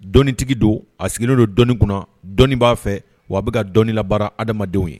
Dɔnnitigi don a sigilen don dɔɔnin kunna dɔɔnin b'a fɛ wa a bɛ ka dɔnni la adamadamadenw ye